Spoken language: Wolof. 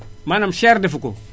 maanaam cher defu ko